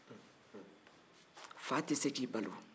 fa t'i se k'i balo la